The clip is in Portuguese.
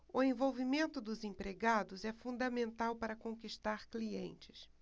o envolvimento dos empregados é fundamental para conquistar clientes